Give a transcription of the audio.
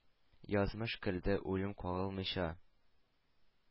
Язмыш көлде, үлем, кагылмыйча,